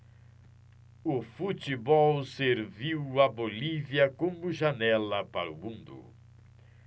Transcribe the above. o futebol serviu à bolívia como janela para o mundo